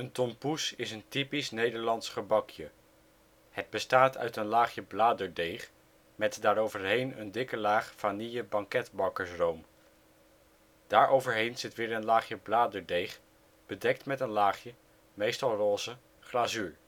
tompouce) is een typisch Nederlands gebakje. Het bestaat uit een laagje bladerdeeg met daaroverheen een dikke laag vanillebanketbakkersroom. Daaroverheen zit weer een laagje bladerdeeg bedekt met een laagje, meestal roze, glazuur